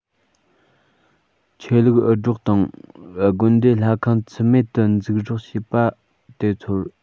ཆོས ལུགས འུད སྒྲོག དང དགོན སྡེ ལྷ ཁང ཚིམ མེད དུ འཛུགས རོགས བྱེད པ དེ ཚོར